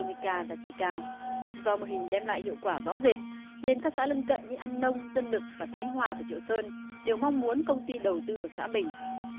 pô ni ca giá trị cao do mô hình đem lại hiệu quả rõ rệt nên các xã lân cận như an nông dân lực và thái hòa của triệu sơn đều mong muốn công ty đầu tư vào xã mình